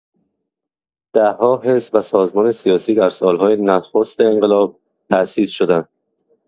ده‌ها حزب و سازمان سیاسی در سال‌های نخست انقلاب تأسیس شدند.